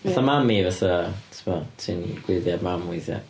Fatha mami fatha, tibod, ti'n gweiddi ar mam weithiau.